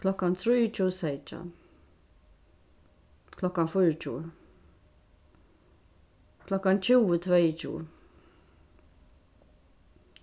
klokkan trýogtjúgu seytjan klokkan fýraogtjúgu klokkan tjúgu tveyogtjúgu